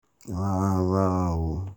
Rárá o.